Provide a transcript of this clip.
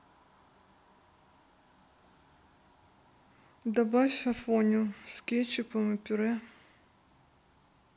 добавь афоню с кетчупом и пюре